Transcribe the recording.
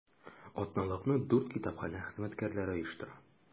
Атналыкны дүрт китапханә хезмәткәрләре оештыра.